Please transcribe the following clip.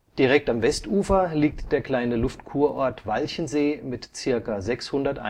Direkt am Westufer liegt der kleine Luftkurort Walchensee mit ca. 600